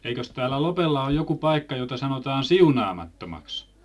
eikös täällä Lopella ole joku paikka jota sanotaan Siunaamattomaksi